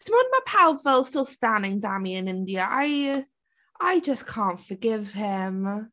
Timod mae pawb fel still stan-ing Dami and India? I I just can't forgive him.